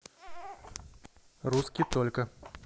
русский только